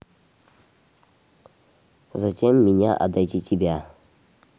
затем меня отдайте тебя